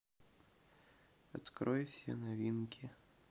открой все новинки